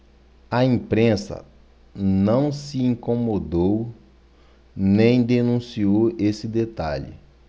a imprensa não se incomodou nem denunciou esse detalhe